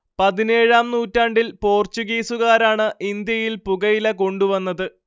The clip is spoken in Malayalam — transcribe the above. പതിനേഴാം നൂറ്റാണ്ടിൽ പോർച്ചുഗീസുകാരാണ് ഇന്ത്യയിൽ പുകയില കൊണ്ടുവന്നത്